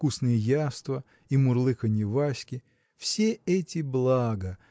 вкусные яства и мурлыканье Васьки – все эти блага